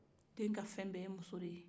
den ka fɛn bɛɛ ye muso de ye